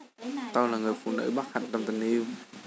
tôi là người phụ nữ bất hạnh trong tình yêu